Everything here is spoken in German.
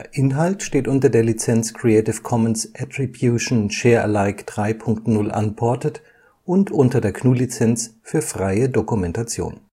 Inhalt steht unter der Lizenz Creative Commons Attribution Share Alike 3 Punkt 0 Unported und unter der GNU Lizenz für freie Dokumentation